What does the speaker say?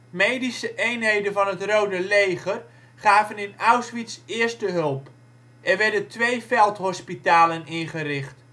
Medische eenheden van het Rode Leger gaven in Auschwitz eerste hulp. Er werden twee veldhospitalen ingericht